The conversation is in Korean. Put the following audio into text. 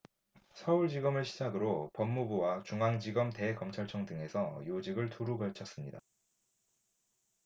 서울지검을 시작으로 법무부와 중앙지검 대검찰청 등에서 요직을 두루 걸쳤습니다